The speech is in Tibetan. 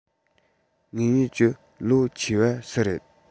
ངེད གཉིས ཀྱི ལོ ཆེ བ སུ རེད